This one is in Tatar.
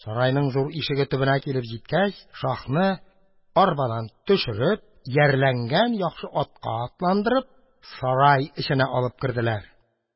Сарайның зур ишеге төбенә килеп җиткәч, шаһны, арбадан төшереп, иярләнгән яхшы атка атландырып, сарай эченә алып керделәр.